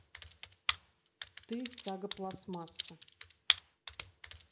ты сага пластмасса